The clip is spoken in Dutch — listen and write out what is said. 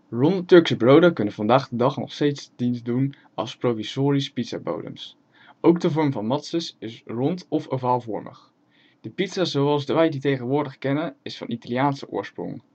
Ronde Turkse broden kunnen vandaag de dag nog dienst doen als provisorische pizzabodems. Ook de vorm van matses is rond of ovaalvormig. De pizza zoals wij die tegenwoordig kennen, is van Italiaanse oorsprong